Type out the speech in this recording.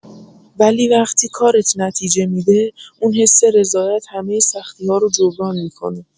ولی وقتی کارت نتیجه می‌ده، اون حس رضایت همه سختی‌ها رو جبران می‌کنه.